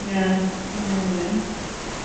Ie. Ie ie.